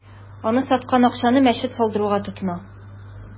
Аны саткан акчаны мәчет салдыруга тотына.